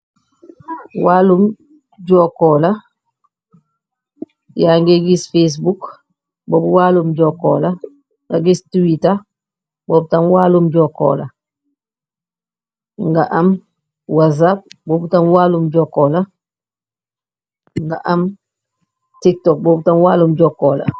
Wàllum jokkola yaa ngi gis facebook bobu wàllm okla nga gis twita bo bu tam wàllum jokkola nga am wazab bobu tam wàllum jokkoola nga am tiktok bobu tam wàllum jokkoola.